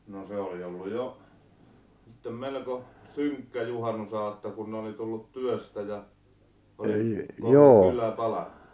no se oli ollut jo sitten melko synkkä juhannusaatto kun ne oli tullut työstä ja oli koko kylä palanut